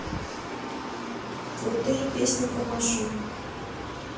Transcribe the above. крутые песни про машин